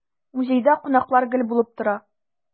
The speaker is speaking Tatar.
Музейда кунаклар гел булып тора.